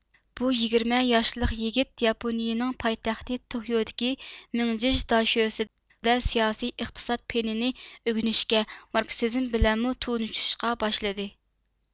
بۇ يىگىرمە ياشلىق يىگىت ياپونىيىنىڭ پايتەختى توكيودىكى مىڭجىژ داشۆسىدە سىياسىي ئىقتىساد پېنىنى ئۆگىنىشكە ماركسىزم بىلەنمۇ تونۇشۇشقا باشلىدى